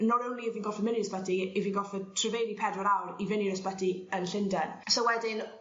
nor only 'yf fi'n gorffo myn' i'r ysbyty 'yf fi goffod tryofaelu pedwar awr i fyn' i'r ysbyty yn Llunden So wedyn